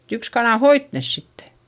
yksi kana hoiti ne sitten